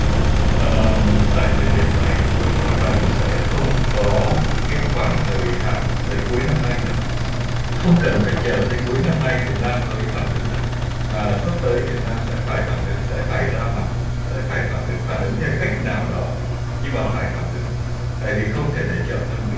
ờ tại thời điểm này thì tôi cho rằng sẽ không có kết quả thời hạn tới cuối năm nay đâu không cần phải chờ tới cuối năm nay việt nam mới phản ứng đâu mà sắp tới việt nam sẽ phải phản ứng sẽ phải ra mặt sẽ phải phản ứng phản ứng theo cách nào đó nhưng mà phải phản ứng tại vì không thể để chậm hơn nữa